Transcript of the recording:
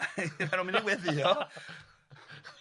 Ma' nw'n mynd i weddïo.